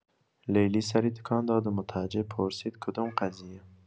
لیلی سری تکان داد و متعجب پرسید: کدوم قضیه؟